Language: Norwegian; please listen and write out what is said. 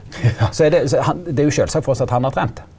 så er det så det er jo sjølvsagt for oss at han har trent.